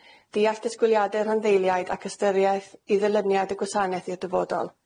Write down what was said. diall disgwyliade rhanddeiliaid, ac ystyriaeth i ddilyniad y gwasaneth i'r dyfodol.